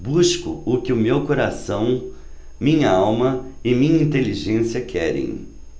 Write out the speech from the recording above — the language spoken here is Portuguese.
busco o que meu coração minha alma e minha inteligência querem